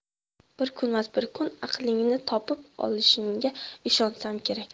bir kunmas bir kun aqlingni topib olishingga ishonsam kerak